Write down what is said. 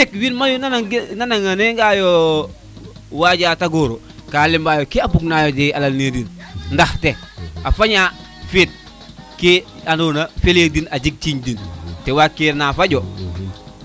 te ɓek win mayu nan nge nanga yo o waja tagoor ka lema yo ke de mbuga do alal ni den ndax te a faña feet ke ando na fele den a jeg ciiñ den te wag kira na faƴo